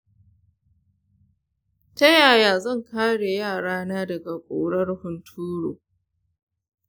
ta yaya zan kare yara na daga ƙurar hunturu?